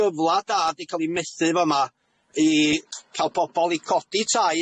gyfla da 'di ca'l 'u methu fa' 'ma i ca'l pobol i codi tai